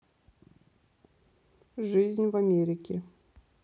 жизнь в америке